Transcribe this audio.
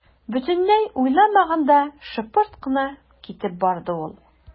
Бөтенләй уйламаганда шыпырт кына китеп барды ул.